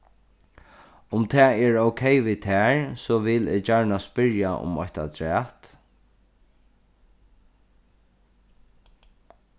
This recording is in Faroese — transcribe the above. um tað er ókey við tær so vil eg gjarna spyrja um eitt afturat